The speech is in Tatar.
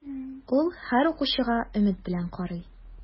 Ул һәр укучыга өмет белән карый.